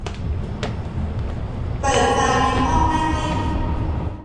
เปิดไฟในห้องนั่งเล่น